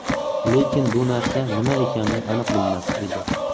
lekin bu narsa nima ekanini aniq bilmas edi